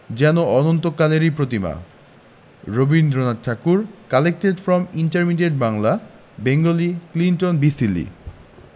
যেন অনন্তকালেরই প্রতিমা Rabindranath Thakur collected from intermediate Bangla Bengali Clinton B Seely